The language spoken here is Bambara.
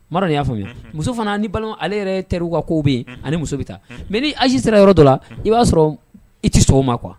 O y'a faamuya muso fana ni balo ale yɛrɛ teriri ka ko bɛ yen ani muso bɛ taa mɛ ni ayiz sera yɔrɔ dɔ la i b'a sɔrɔ i tɛ sɔgɔma kuwa